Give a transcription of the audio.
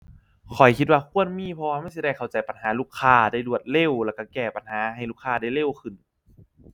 ข้อยคิดว่าควรมี เพราะว่ามันสิได้เข้าใจปัญหาลูกค้าได้รวดเร็ว แล้วก็แก้ปัญหาให้ลูกค้าได้เร็วขึ้น